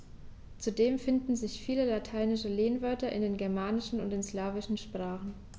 Zudem finden sich viele lateinische Lehnwörter in den germanischen und den slawischen Sprachen.